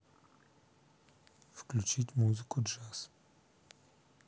включить музыку джаз